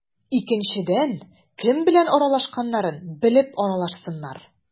Икенчедән, кем белән аралашканнарын белеп аралашсыннар.